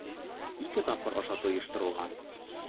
Ике тапкыр ашату оештырылган.